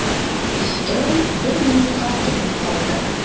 Строй бер минутка тынып калды.